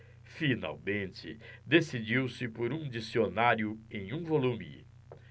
finalmente decidiu-se por um dicionário em um volume